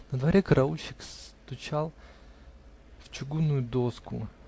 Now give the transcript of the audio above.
На дворе караульщик стучал в чугунную доску.